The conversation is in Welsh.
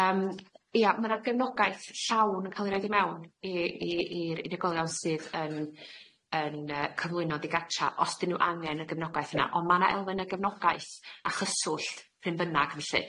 Yym ia, ma' na'r gefnogaeth llawn yn ca'l ei roid i mewn i i i'r unigolion sydd yn yn yy cyflwyno ddigartra os dyn nw angen y gefnogaeth yna ond ma' na elfen y gefnogaeth a chyswllt pryn bynnag felly.